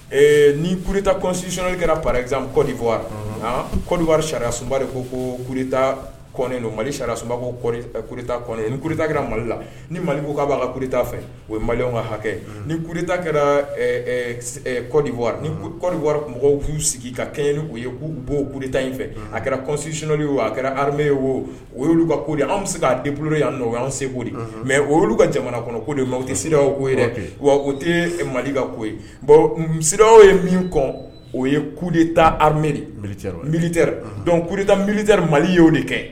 Ɛɛ ni kuruta cosisli kɛra paraz zan kɔdiwa kɔɔriwa sariya sunbari ko ko kuruta kɔn mali sara sunba koɔrita kɔn kuruta kɛra mali la ni mali ko k' b'a ka kuruta fɛ o ye maliw ka hakɛ ni kuruta kɛra kɔdiwa kɔɔriwa mɔgɔw f'u sigi ka kɛ u yeu bɔo kuta in fɛ a kɛra kɔsisli wo a kɛra hameye wo oolu ka kori an bɛ se k'a de bolola yan nɔ an seguko de mɛ olu oluolu ka jamana kɔnɔ ko de mɛ u ye siraw ko wa u tɛ mali ka ko bon siraw ye min kɔ o ye ku de ta hameri dɔn kuruta militere mali y'o de kɛ